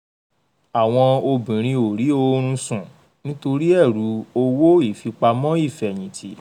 Àwọn obìnrin ò rí oorun sùn nítorí ẹ̀rù owó ìfipamọ́ ìfẹ̀hìntì